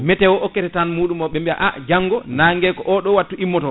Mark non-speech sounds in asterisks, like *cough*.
météo okkete temps muɗum o ɓe biya a janggo *smacks lips* nague gue ko oɗo wattu immoto